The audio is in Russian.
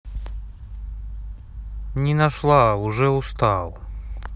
не нашла уже устал